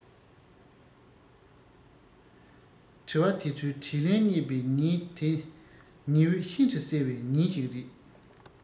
དྲི བ དེ ཚོའི དྲིས ལན རྙེད པའི ཉིན དེ ཉི འོད ཤིན ཏུ གསལ བའི ཉིན ཞིག རེད